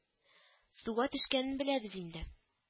– суга төшкәнен беләбез инде